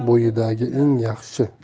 bo'yidagi eng yaxshi